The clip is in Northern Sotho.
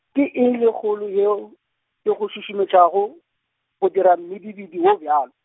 ke eng ye kgolo yeo, e go šušumetšago, go dira mmidibidi wo bjalo.